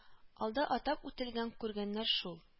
Алда атап үтелгән курганнар шул